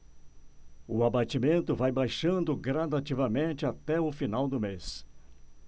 o abatimento vai baixando gradativamente até o final do mês